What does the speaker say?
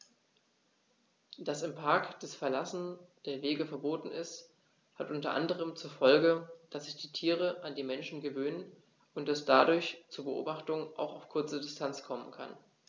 Dass im Park das Verlassen der Wege verboten ist, hat unter anderem zur Folge, dass sich die Tiere an die Menschen gewöhnen und es dadurch zu Beobachtungen auch auf kurze Distanz kommen kann.